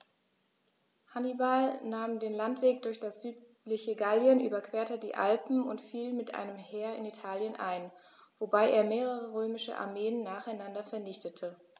Hannibal nahm den Landweg durch das südliche Gallien, überquerte die Alpen und fiel mit einem Heer in Italien ein, wobei er mehrere römische Armeen nacheinander vernichtete.